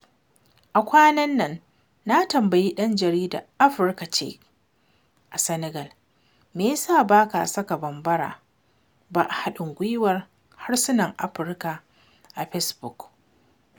A kwanan nan na tambayi ɗan jaridar 'Africa Check' a Senegal me ya sa ba a saka Bambara ba a haɗin gwiwar harsunan Afirka a fesbuk.